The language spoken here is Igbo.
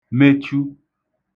mechu